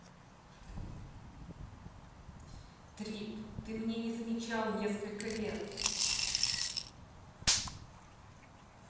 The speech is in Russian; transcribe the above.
трип ты мне не замечал несколько лет